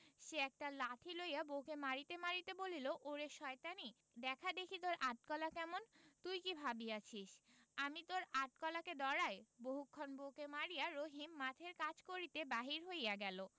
সে একটা লাঠি লইয়া বউকে মারিতে মারিতে বলিল ওরে শয়তানী দেখা দেখি তোর আট কলা কেমন তুই কি ভাবিয়াছি আমি তোর আট কলাকে ডরাই বহুক্ষণ বউকে মারিয়া রহিম মাঠের কাজ করিতে বাহির হইয়া গেল